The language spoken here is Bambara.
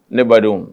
Ne badenw